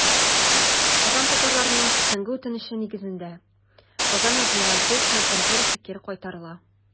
Казан татарларының күптәнге үтенече нигезендә, Казан адмиралтейство конторасы кире кайтарыла.